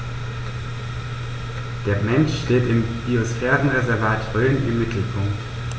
Der Mensch steht im Biosphärenreservat Rhön im Mittelpunkt.